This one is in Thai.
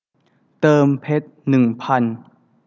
เติมเพชรหนึ่งพัน